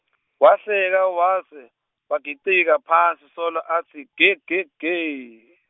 wahleka waze, watigicita phansi solo atsi gegege.